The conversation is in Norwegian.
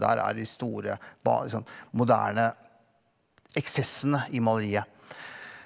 der er de store liksom moderne eksessene i maleriet.